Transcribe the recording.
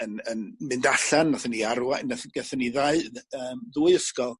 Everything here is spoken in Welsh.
yn yn mynd allan nathon ni arwai- nath gathon ni ddau ny- yym ddwy ysgol